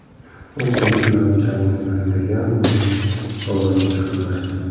u qo'li bilan changni haydagan bo'lib davronga yaqinlashdi